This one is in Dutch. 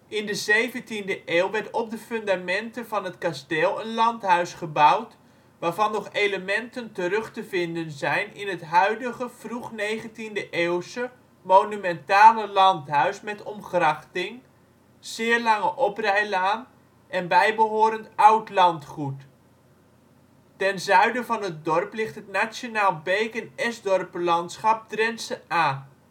in de zeventiende eeuw werd op de fundamenten van het kasteel een landhuis gebouwd, waarvan nog elementen terug te vinden zijn in het huidige vroeg-negentiende eeuwse monumentale landhuis met omgrachting, zeer lange oprijlaan en bijbehorend oud landgoed. Ten zuiden van het dorp ligt het Nationaal beek - en esdorpenlandschap Drentsche Aa